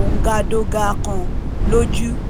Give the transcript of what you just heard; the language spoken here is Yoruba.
Ouagadougou kan, lójú.